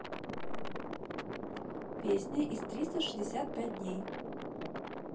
песня из триста шестьдесят пять дней